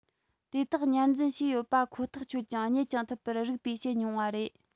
དེ དག ཉར འཛིན བྱས ཡོད པ ཁོ ཐག ཆོད ཅིང རྙེད ཀྱང ཐུབ པར རིགས པས དཔྱད མྱོང བ རེད